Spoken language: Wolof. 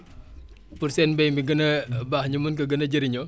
pour seen mbéy mi gën a baax ñu mën ko gën a jëriñoo